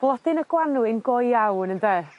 Blodyn y Gwanwyn go iawn ynde?